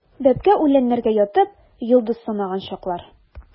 Бәбкә үләннәргә ятып, йолдыз санаган чаклар.